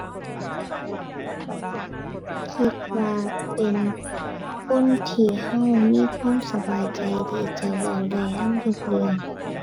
คิดว่าเป็นคนที่เรามีความสบายใจที่จะเว้าได้นำทุกเรื่อง